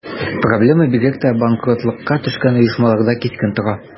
Проблема бигрәк тә банкротлыкка төшкән оешмаларда кискен тора.